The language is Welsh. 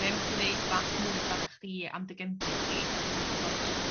Be am i chdi ddeud bach mwy amdanach chdi am dy gefndir di i powb sy'n gwrando.